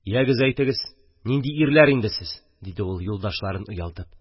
– ягез, әйтегез, нинди ирләр инде сез? – диде ул, юлдашларын оялтып.